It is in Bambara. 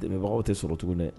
Dɛmɛbagaw tɛ sɔrɔ tugun dɛ